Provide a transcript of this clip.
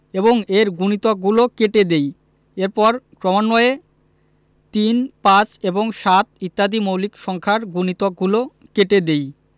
এবং এর গুণিতকগলো কেটে দেই এরপর ক্রমান্বয়ে ৩ ৫ এবং ৭ ইত্যাদি মৌলিক সংখ্যার গুণিতকগুলো কেটে দিই